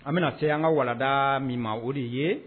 An bɛna se an ka wala min ma o de ye